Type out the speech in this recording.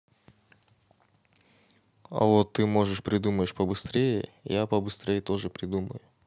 а вот ты можешь придумаешь побыстрее я побыстрей тоже придумаю